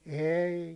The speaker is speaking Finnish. ei